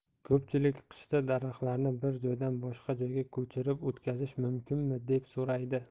ko'pchilik qishda daraxtlarni bir joydan boshqa joyga ko'chirib o'tkazish mumkinmi deb so'raydi